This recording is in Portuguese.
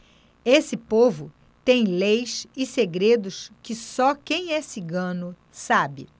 esse povo tem leis e segredos que só quem é cigano sabe